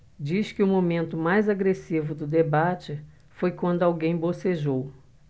diz que o momento mais agressivo do debate foi quando alguém bocejou